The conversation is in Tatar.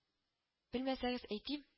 - белмәсәгез, әйтим